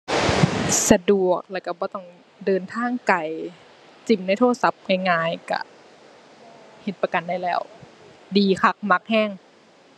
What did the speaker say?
สะดวกแล้วก็บ่ต้องเดินทางไกล จิ้มในโทรศัพท์ง่ายง่ายก็เฮ็ดประกันได้แล้ว ดีคัก มักก็